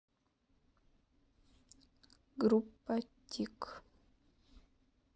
группа тик